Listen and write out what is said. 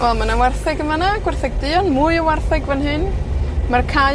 Wel ma ma' 'na wartheg yn fana. Gwartheg duon. Mwy o wartheg fan hyn. Ma'r cae